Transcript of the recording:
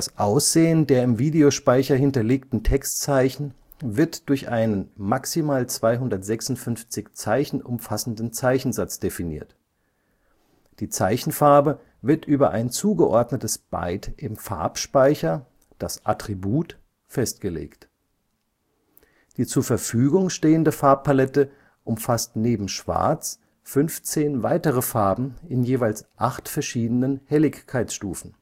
Aussehen der im Videospeicher hinterlegten Textzeichen wird durch einen maximal 256 Zeichen umfassenden Zeichensatz definiert. Die Zeichenfarbe wird über ein zugeordnetes Byte im Farbspeicher, das Attribut, festgelegt. Die zur Verfügung stehende Farbplatte umfasst neben Schwarz 15 weitere Farben in jeweils acht verschiedenen Helligkeitsstufen